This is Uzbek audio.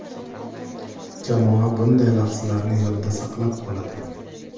jamoa bunday lahzalarni yodda saqlab qoladi